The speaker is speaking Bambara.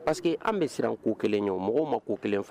Pa que an bɛ siran ko kelen ye mɔgɔ ma ko kelen faga